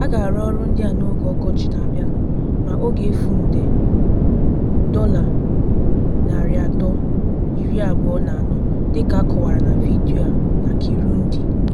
A ga-arụ ọrụ ndị a n'oge ọkọchị na-abịanụ ma ọ ga-efu nde $324, dịka a kọwara na vidiyo a na Kirundi.